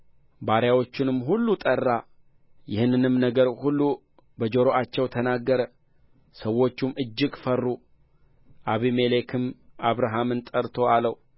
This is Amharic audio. ባሪያዎቹንም ሁሉ ጠራ ይህንንም ነገር ሁሉ በጆሮአቸው ተናገረ ሰዎቹም እጅግ ፈሩ አቢሜሌክም አብርሃምን ጠርቶ አለው